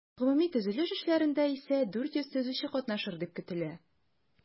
Гомуми төзелеш эшләрендә исә 400 төзүче катнашыр дип көтелә.